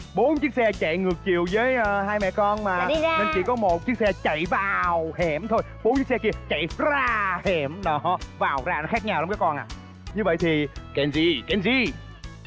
bốn chiếc xe chạy ngược chiều với hai mẹ con mà nên chỉ có một chiếc xe chạy vào hẻm thôi bốn chiếc xe kia chạy ra hẻm đó vào vào ra nó khác nhau lắm các con à như vậy thì ken gi ken gi